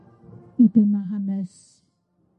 'Lly dyna hanes...